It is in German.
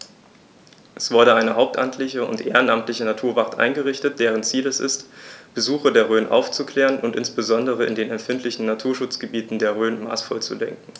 Es wurde eine hauptamtliche und ehrenamtliche Naturwacht eingerichtet, deren Ziel es ist, Besucher der Rhön aufzuklären und insbesondere in den empfindlichen Naturschutzgebieten der Rhön maßvoll zu lenken.